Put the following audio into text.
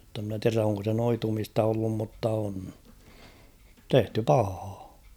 jotta en minä tiedä onko se noitumista ollut mutta on tehty pahaa